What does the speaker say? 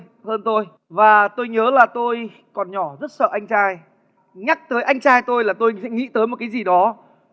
hơn tôi và tôi nhớ là tôi còn nhỏ rất sợ anh trai nhắc tới anh trai tôi là tôi sẽ nghĩ tới một cái gì đó